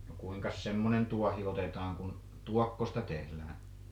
no kuinkas semmoinen tuohi otetaan kun tuokkosta tehdään